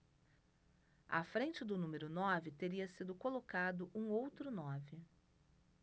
à frente do número nove teria sido colocado um outro nove